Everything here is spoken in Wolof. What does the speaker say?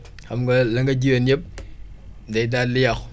xam nga la nga jiyoon yëppday daal di yqu